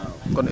waaw